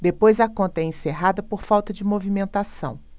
depois a conta é encerrada por falta de movimentação